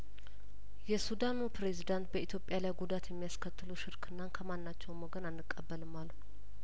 የሱዳኑ ፕሬዝዳንት በኢትዮጵያ ላይ ጉዳት የሚያስከትሉ ሽርክናን ከማናቸውም ወገን አንቀበልም አሉ